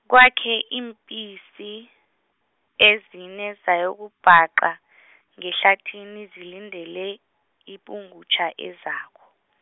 kwakhe iimpisi, ezine zayokubhaqa , ngehlathini zilindele, ipungutjha ezako.